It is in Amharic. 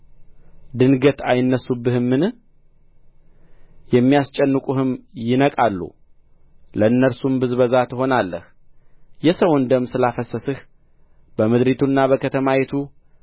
ድንገት አይነሡብህምን የሚያስጨንቁህም ይነቃሉ ለእነርሱም ብዝበዛ ትሆናለህ የሰውን ደም ስላፈሰስህ በምድሪቱና በከተማይቱም